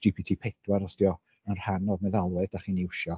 GPT pedwar os 'di o yn rhan o'r meddalwedd dach chi'n iwsio.